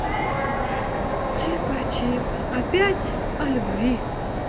chipachip опять о любви